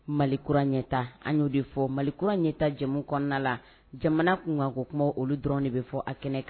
Mali kura ɲɛta an y'o de fɔ mali kura ɲɛta jɛ kɔnɔna la jamana kun kan ko kuma olu dɔrɔn de bɛ fɔ a kɛnɛ kan